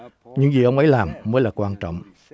nhửng gì ông ấy làm mới là quan trỏng